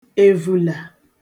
èvùlà